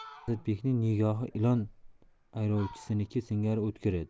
asadbekning nigohi ilon avrovchisiniki singari o'tkir edi